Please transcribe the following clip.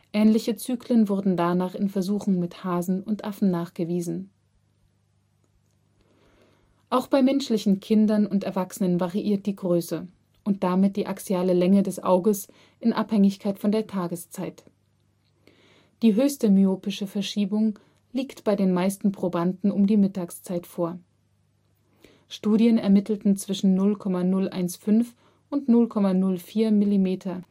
Ähnliche Zyklen wurden danach in Versuchen mit Hasen und Affen nachgewiesen. Auch bei menschlichen Kindern und Erwachsenen variiert die Größe, und damit die axiale Länge des Auges in Abhängigkeit von der Tageszeit. Die höchste myopische Verschiebung liegt bei den meisten Probanden um die Mittagszeit vor. Studien ermittelten zwischen 0,015 und 0,04 mm